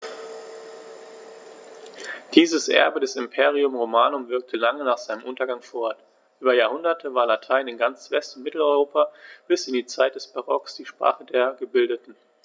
Dieses Erbe des Imperium Romanum wirkte lange nach seinem Untergang fort: Über Jahrhunderte war Latein in ganz West- und Mitteleuropa bis in die Zeit des Barock die Sprache der Gebildeten.